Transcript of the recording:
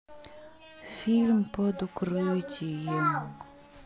фильм под укрытием